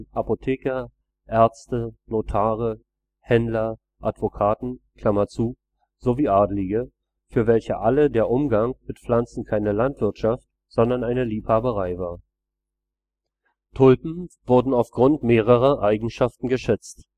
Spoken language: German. Apotheker, Ärzte, Notare, Händler, Advokaten) sowie Adlige, für welche alle der Umgang mit Pflanzen keine Landwirtschaft, sondern eine Liebhaberei war. Tulpen wurden aufgrund mehrerer Eigenschaften geschätzt